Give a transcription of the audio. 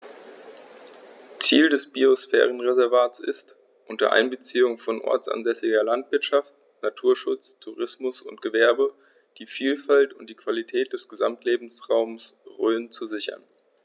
Ziel dieses Biosphärenreservates ist, unter Einbeziehung von ortsansässiger Landwirtschaft, Naturschutz, Tourismus und Gewerbe die Vielfalt und die Qualität des Gesamtlebensraumes Rhön zu sichern.